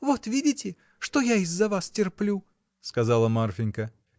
— Вот видите, что я из-за вас терплю! — сказала Марфинька.